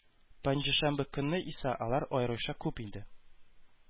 Пәнҗешәмбе көнне исә алар аеруча күп иде